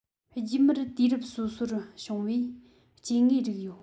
རྒྱུན མར དུས རབས སོ སོར བྱུང བའི སྐྱེ དངོས རིགས ཡོད